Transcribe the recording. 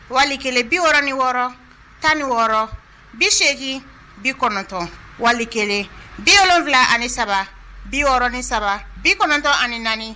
Wali kelen biɔrɔn ni wɔɔrɔ tan ni wɔɔrɔ bi8egin bi kɔnɔntɔn wali kelen biɔrɔnwula ani saba biɔrɔn ni saba bi kɔnɔntɔn ani naani